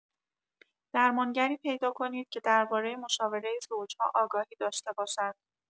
درمانگری پیدا کنید که درباره مشاوره زوج‌ها آگاهی داشته باشد.